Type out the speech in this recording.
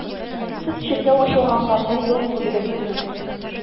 Сез чиркәү ачылганга бер ел тулды дип әйттегез.